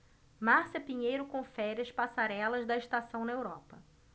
márcia pinheiro confere as passarelas da estação na europa